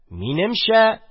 Минемчә...